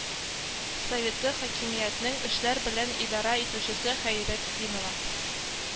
Советы хакимиятенең эшләр белән идарә итүчесе Хәйретдинова